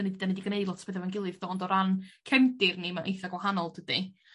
n'dyn ni 'dyn ni 'di gneud lot o petha' 'fo'n gilydd do ond o ran cefndir ni ma' eitha gwahanol tydi?